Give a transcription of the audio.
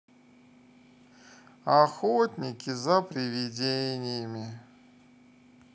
охотники за приведениями